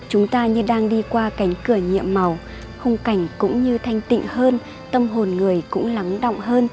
chúng ta như đang đi qua cánh cửa nhiệm màu khung cảnh cũng như thanh tịnh hơn tâm hồn người cũng lắng đọng hơn